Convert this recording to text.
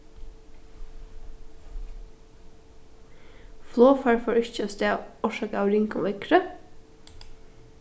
flogfarið fór ikki avstað orsakað av ringum veðri